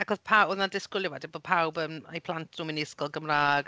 Ac oedd paw- oedd na disgwyliad wedyn bod pawb yn... a'u plant nhw yn mynd i ysgol Gymraeg.